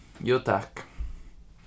jú takk